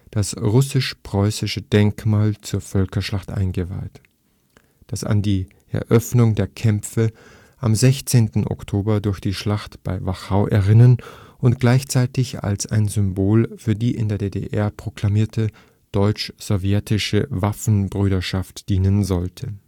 das „ Russisch-Preußische Denkmal “zur Völkerschlacht eingeweiht, das an die Eröffnung der Kämpfe am 16. Oktober durch die Schlacht bei Wachau erinnern und gleichzeitig als ein Symbol für die in der DDR proklamierte „ deutsch-sowjetische Waffenbrüderschaft “dienen sollte